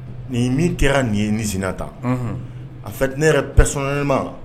Nin min kɛra nin yesinina ta a fɛ ne yɛrɛpsɔn ma